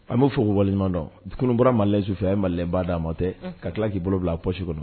An b'o fɔ waleɲumandɔn kunun bɔra ma lɛnsufɛ malɛnbaa d'a ma tɛ ka tila k'i bolo bila pɔsi kɔnɔ